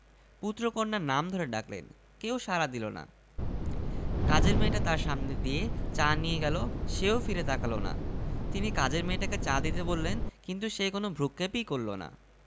পুত্র কন্যার নাম ধরে ডাকলেন কেউ সাড়া দিল না কাজের মেয়েটা তাঁর সামনে দিয়ে চা নিয়ে গেল সে ও ফিরে তাকাল না তিনি কাজের মেয়েটাকে চা দিতে বললেন কিন্তু সে কোনো ভ্রুক্ষেপই করল না